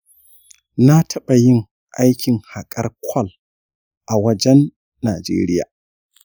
na taɓa yin aikin haƙar kwal a wajen najeriya.